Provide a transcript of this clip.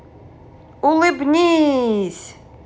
улыбнись